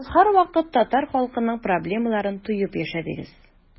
Сез һәрвакыт татар халкының проблемаларын тоеп яшәдегез.